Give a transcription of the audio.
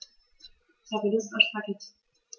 Ich habe Lust auf Spaghetti.